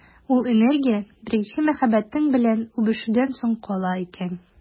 Ул энергия беренче мәхәббәтең белән үбешүдән соң кала икән.